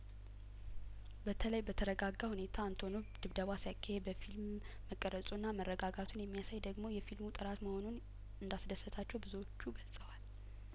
በተለይ በተረጋጋ ሁኔታ አንቶኖቭ ድብደባ ሲያካሂድ በፊልም መቀረጹና መረጋጋቱን የሚያሳይደግሞ የፊልሙ ጥራት መሆኑን እንዳስ ደሰታቸው ብዙዎቹ ገልጸዋል